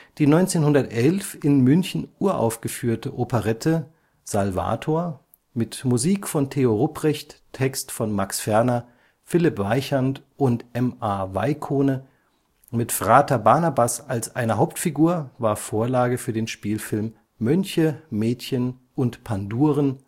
Die 1911 in München uraufgeführte Operette Salvator (Musik von Theo Rupprecht; Text von Max Ferner, Philipp Weichand und M. A. Weikone) mit Frater Barnabas als einer Hauptfigur war Vorlage für den Spielfilm Mönche, Mädchen und Panduren